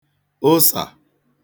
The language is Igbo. ụsà